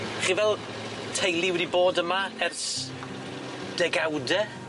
Chi fel teulu wedi bod yma ers degawde?